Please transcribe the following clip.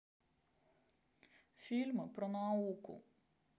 фильмы про науку